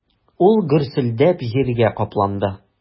Ул гөрселдәп җиргә капланды.